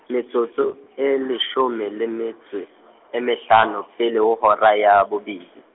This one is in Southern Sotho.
metsotso, e leshome le metso, e mehlano, pele ho hora ya bobedi.